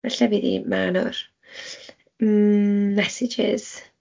Falle fydd hi 'ma nawr. Mm messages.